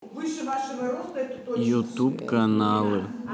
ютуб каналы